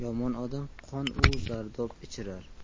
yomon odam qon u zardob ichirar